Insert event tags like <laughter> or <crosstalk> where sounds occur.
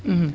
<hesitation> <hesitation>